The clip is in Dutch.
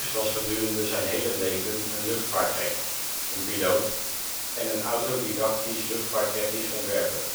was gedurende zijn hele leven een luchtvaartgek, een piloot, en een autodidactisch luchtvaarttechnisch ontwerper